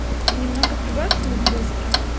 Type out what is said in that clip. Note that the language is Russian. немного прибавь звук быстро